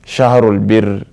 Sahararolibri